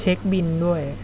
เช็คบิลด้วย